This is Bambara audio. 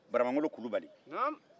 baramangolo kulubali